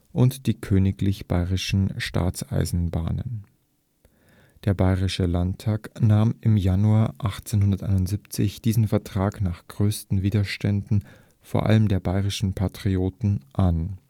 und die Königlich Bayerischen Staatseisenbahnen. Der bayerische Landtag nahm im Januar 1871 diesen Vertrag nach größten Widerständen, vor allem der bayerischen Patrioten, an